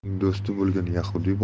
uning do'sti bo'lgan yahudiy